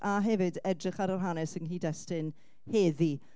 A hefyd edrych ar yr hanes yng nghydestun heddi